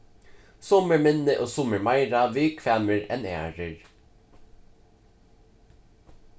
summir minni og summir meira viðkvæmir enn aðrir